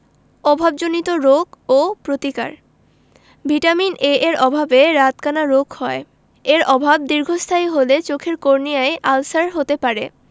অভাবজনিত রোগ ও প্রতিকার ভিটামিন এ এর অভাবে রাতকানা রোগ হয় এর অভাব দীর্ঘস্থায়ী হলে চোখের কর্নিয়ায় আলসার হতে পারে